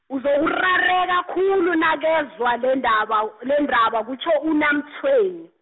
uzokurareka khulu nakezwa lendaba u-, lendaba kutjho UNaMtshweni.